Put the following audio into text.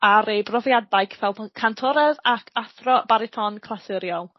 ar ei brofiadau c- fel pw- cantores ac athro bariton clasuriol.